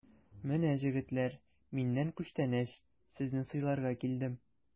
Менә, җегетләр, миннән күчтәнәч, сезне сыйларга килдем!